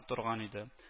Торган иде